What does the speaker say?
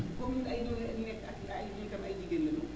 comme ay góor a fi nekk ak ay ñii itam ay jigéen lañu